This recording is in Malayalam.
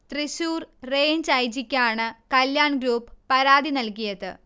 Thrissur range I. ജിക്കാണ് കല്യാൺ ഗ്രൂപ്പ് പരാതി നൽകിയത്